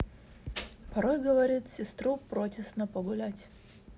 порой говорит сестру протестно погулять